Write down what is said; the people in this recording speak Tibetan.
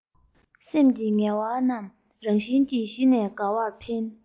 སེམས ཀྱི ངལ བ རྣམས རང བཞིན གྱིས ཞི ནས དགའ བ འཕེལ